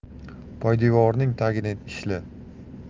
poydevorning tagini ishla